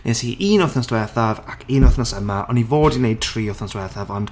Wnes i un wthnos diwethaf, ac un wthnos yma. O'n i fod i wneud tri wythnos diwetha, ond...